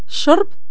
الشرب